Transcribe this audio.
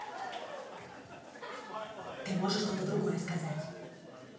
ты можешь что то другое сказать